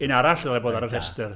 Un arall dyle bod ar y rhestr.